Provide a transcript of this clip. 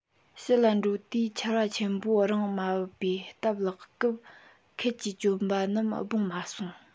ཕྱི ལ འགྲོ དུས ཆར པ ཆེན པོ རང མ བབ པའི སྟབས ལེགས སྐབས འཁེལ གྱིས གྱོན པ རྣམས སྦངས མ སོང